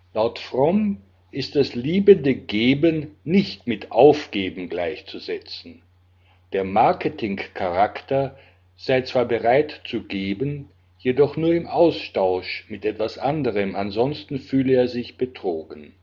Laut Fromm ist das liebende Geben nicht mit Aufgeben gleichzusetzen. Der Marketing-Charakter sei zwar bereit zu geben, jedoch nur im Austausch mit etwas anderem, ansonsten fühle er sich betrogen